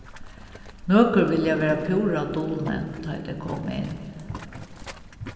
nøkur vilja vera púra dulnevnd tá tey koma inn